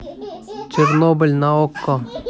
чернобыль на окко